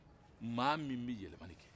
maa min bɛ yɛlɛmani kɛ